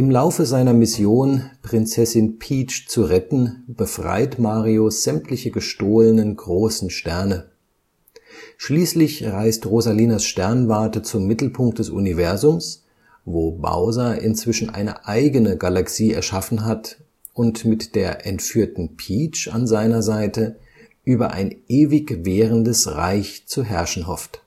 Laufe seiner Mission, Prinzessin Peach zu retten, befreit Mario sämtliche gestohlenen Großen Sterne. Schließlich reist Rosalinas Sternwarte zum Mittelpunkt des Universums, wo Bowser inzwischen eine eigene Galaxie erschaffen hat und mit der entführten Peach an seiner Seite über ein ewig währendes Reich zu herrschen hofft